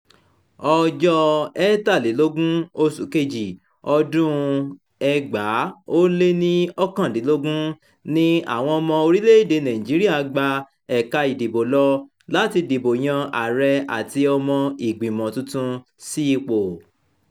Ọjọ́ 23, oṣù kejì ọdún-un 2019 ni àwọn ọmọ orílẹ̀-èdèe Nàìjíríà gba ẹ̀ka ìdìbò lọ láti dìbò yan ààrẹ àti ọmọ ìgbìmọ̀ tuntun sípò.